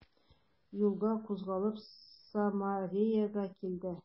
Юлга кузгалып, Самареяга килде.